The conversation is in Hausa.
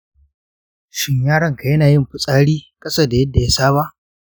shin yaronka yana yin fitsari ƙasa da yadda ya saba?